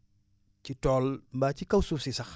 ci tool mbaa ci kaw suuf si sax